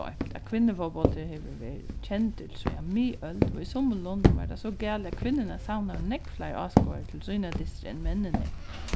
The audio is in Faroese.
gloymt at kvinnufótbóltur hevur verið kendur til síðan miðøld og í summum londum var tað so galið at kvinnurnar savnaðu nógv fleiri áskoðarar til sínar dystir enn menninir